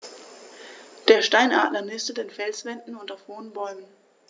Der Steinadler nistet in Felswänden und auf hohen Bäumen.